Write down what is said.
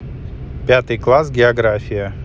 пятый класс география